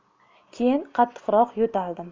keyin qattiqroq yo'taldim